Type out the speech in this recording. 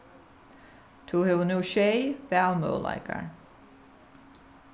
tú hevur nú sjey valmøguleikar